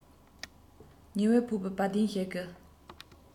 ཉི འོད ཕོག པའི བལ གདན ཞིག གི